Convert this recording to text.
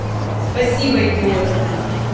спасибо идиотина